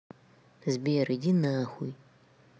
сбер иди нахрен